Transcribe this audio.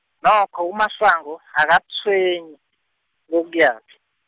nokho uMasango, akatshwenyi, kokuyaphi.